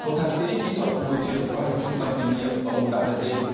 một thạc sĩ kỹ thuật môi trường có hàng chục năm kinh nhiệm ông đào nhật đình